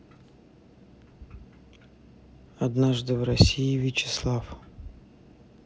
однажды в россии вячеслав